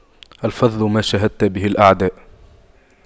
الفضل ما شهدت به الأعداء